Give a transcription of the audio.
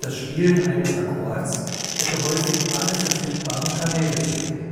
Spielen eines Akkords hätte häufig alle verfügbaren Kanäle belegt